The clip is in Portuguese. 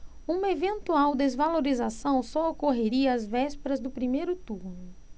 uma eventual desvalorização só ocorreria às vésperas do primeiro turno